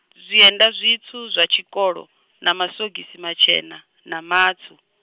zwienda zwitswu zwa tshikolo, na maswogisi matshena, na matswu.